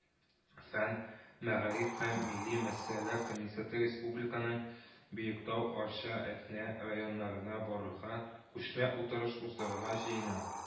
Фән, мәгариф һәм милли мәсьәләләр комитеты республиканың биектау, арча, әтнә районнарына барырга, күчмә утырыш уздырырга җыена